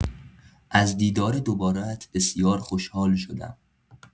از دیدار دوباره‌ات بسیار خوشحال شدم.